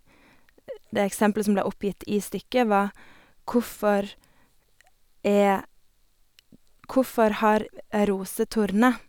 Det eksempelet som ble oppgitt i stykket, var hvorfor er hvorfor har roser torner?